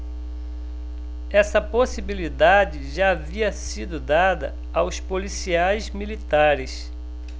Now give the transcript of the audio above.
essa possibilidade já havia sido dada aos policiais militares